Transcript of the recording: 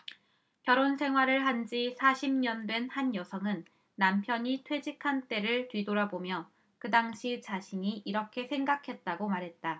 결혼 생활을 한 지 사십 년 된 한 여성은 남편이 퇴직한 때를 뒤돌아보며 그 당시 자신이 이렇게 생각했다고 말했다